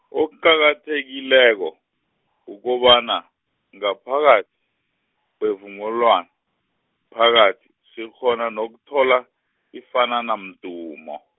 okuqakathekileko, kukobana, ngaphakathi, kwevumelwano, phakathi, sikghona nokuthola, ifanana mdumo.